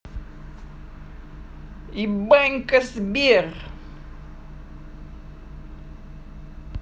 ебанько сбер